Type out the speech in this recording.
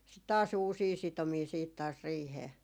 sitten taas uusia sitomia sitten taas riiheen